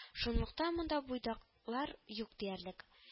Шунлыктан монда буйдаклар юк диярлек